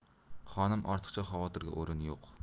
xonim ortiqcha xavotirga o'rin yo'q